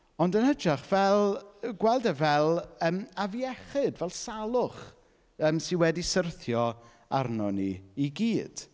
Ond yn hytrach fel... yy gweld e fel yym afiechyd, fel salwch yym sy wedi syrthio arno ni i gyd.